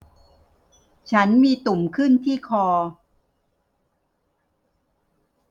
ฉันมีตุ่มขึ้นที่คอ